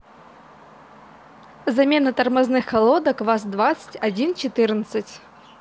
замена тормозных колодок ваз двадцать один четырнадцать